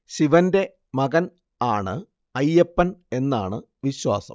ശിവന്റെ മകൻ ആണ് അയ്യപ്പൻ എന്നാണ് വിശ്വാസം